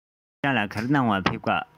ཤིན ཅང ལ ག རེ གནང ག ཕེབས འགྲོ ག